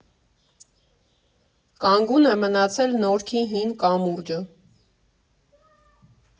Կանգուն է մնացել Նորքի հին կամուրջը.